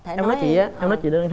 em nói chị á em nói chị đơn